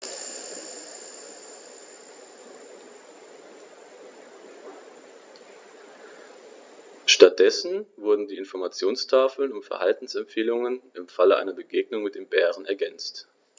Stattdessen wurden die Informationstafeln um Verhaltensempfehlungen im Falle einer Begegnung mit dem Bären ergänzt.